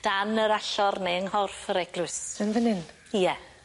dan yr ashor neu yng nghorff yr eglwys. Yn fyn 'yn? Ie.